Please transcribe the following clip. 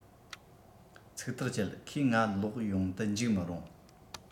ཚིག ཐག བཅད ཁོས ང ལོག ཡོང དུ འཇུག མི རུང